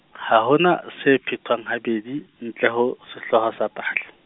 ha ho na se phetwang habedi, ntle le ho sehlooho sa pale.